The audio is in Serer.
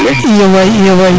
iyo waay iyo waay